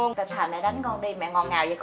tại thà mẹ đánh con đi mẹ ngọt ngào vậy